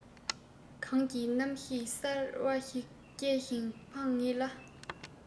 གངས ཀྱི རྣམ ཤེས གསར བ ཞིག སྐྱེ ཞིང འཕགས ངེས ལ